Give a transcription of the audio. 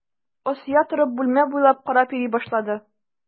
Асия торып, бүлмә буйлап карап йөри башлады.